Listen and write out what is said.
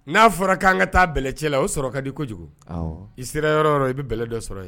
N'a fɔra ka'an ka taa bɛcɛ la o sɔrɔ ka di kojugu i sera yɔrɔ i bɛlɛ dɔ sɔrɔ yen